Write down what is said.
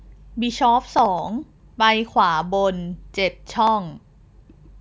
บิชอปสองไปขวาบนเจ็ดช่อง